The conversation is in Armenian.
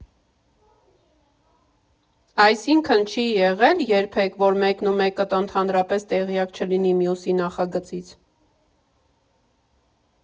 Այսինքն՝ չի եղե՞լ երբեք, որ մեկնումեկդ ընդհանրապես տեղյակ չլինի մյուսի նախագծից։